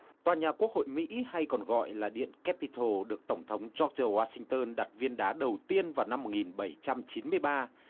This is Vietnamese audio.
tòa nhà quốc hội mỹ hay còn gọi là điện cép bi tồ được tổng thống róc rờ oa sinh tơn đặt viên đá đầu tiên vào năm một nghìn bảy trăm chín mươi ba